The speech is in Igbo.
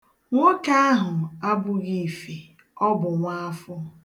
Nwoke ahụ abụghị ife. Ọ bụ nwaafọ.